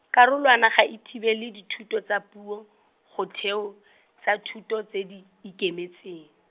karolwana ga e thibele dithuto tsa puo, go theo, tsa thuto tse di, ikemetseng.